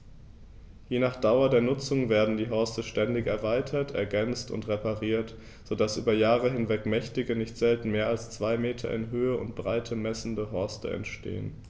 Je nach Dauer der Nutzung werden die Horste ständig erweitert, ergänzt und repariert, so dass über Jahre hinweg mächtige, nicht selten mehr als zwei Meter in Höhe und Breite messende Horste entstehen.